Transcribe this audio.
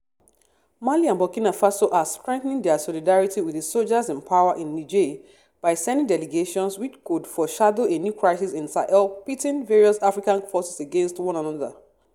Mali and Burkina Faso are strengthening their solidarity with the soldiers in power in Niger by sending delegations, which could foreshadow a new crisis in Sahel pitting various African forces against one another.